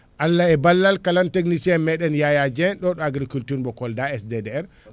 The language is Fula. Allah e ballal kala technicien meɗen Yaya Dieng ɗo ɗo agriculture mo Kolda SDDR